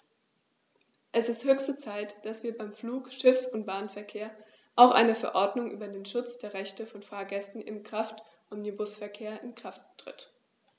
Es ist höchste Zeit, dass wie beim Flug-, Schiffs- und Bahnverkehr auch eine Verordnung über den Schutz der Rechte von Fahrgästen im Kraftomnibusverkehr in Kraft tritt.